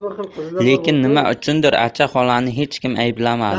lekin nima uchundir acha xolani hech kim ayblamadi